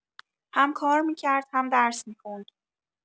هم کار می‌کرد هم درس می‌خوند.